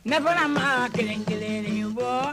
Ne bɔra ma kelen kelenlen bɔ